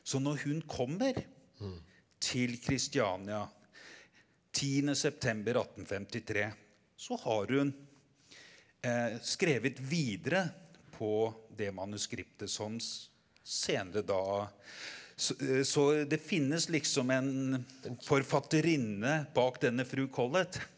så når hun kommer til Christiania 10. september 1853 så har hun skrevet videre på det manuskriptet som senere da så det finnes liksom en forfatterinne bak denne Fru Collett.